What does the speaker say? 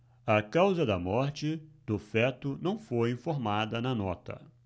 a causa da morte do feto não foi informada na nota